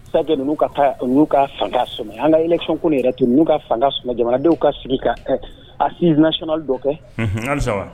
C'est que ninnu ka taa, ninnu ka fanga sɛmɛn, an ka élection ko in yɛrɛ to yen, ninnu ka fanga sɛmɛn, jamanadenw ka sigi ka assise nationale dɔ kɛ , un! hali sisan?